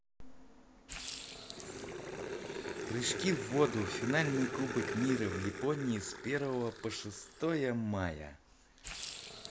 прыжки в воду финал кубок мира в японии с первого по шестое мая